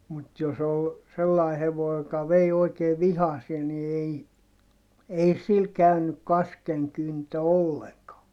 mutta jos oli sellainen hevonen joka vei oikein vihaseen niin ei ei sillä käynyt kaskenkyntö ollenkaan